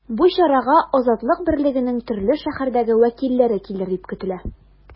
Бу чарага “Азатлык” берлегенең төрле шәһәрдәге вәкилләре килер дип көтелә.